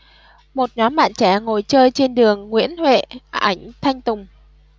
một nhóm bạn trẻ ngồi chơi trên đường nguyễn huệ ảnh thanh tùng